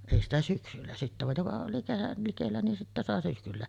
ei sitä syksyllä sitten vaan joka oli kerran likellä niin sitten sai syksyllä